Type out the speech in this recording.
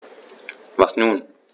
Was nun?